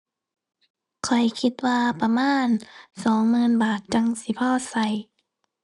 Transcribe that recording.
ข้อยคิดว่าประมาณสองหมื่นบาทจั่งสิพอใช้